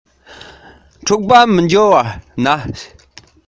སྣ ལུད རིང པོ ཞིག མར དཔྱངས འདུག